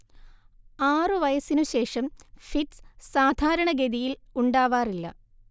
ആറു വയസ്സിനുശേഷം ഫിറ്റ്സ് സാധാരണഗതിയിൽ ഉണ്ടാവാറില്ല